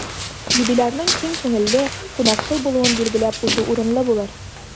Юбилярның киң күңелле, кунакчыл булуын билгеләп узу урынлы булыр.